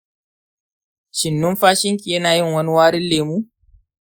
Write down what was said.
shin numfashinki yana yin wani warin lemu?